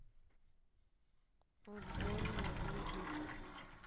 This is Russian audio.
утбольный биги